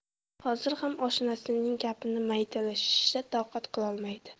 hozir ham oshnasining gapni maydalashiga toqat qilolmadi